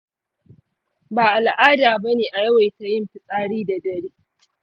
ba al’ada ba ne a yawaita yin fitsari da dare.